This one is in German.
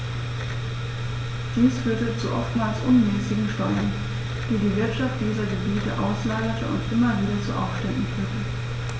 Dies führte zu oftmals unmäßigen Steuern, die die Wirtschaft dieser Gebiete auslaugte und immer wieder zu Aufständen führte.